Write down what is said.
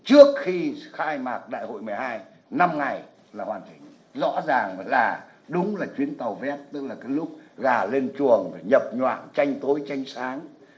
trước khi khai mạc đại hội mười hai năm ngày là hoàn chỉnh rõ ràng là đúng là chuyến tàu vét tức là cái lúc gà lên chuồng nhập nhoạng tranh tối tranh sáng